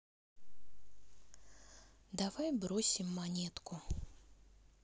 давай бросим монетку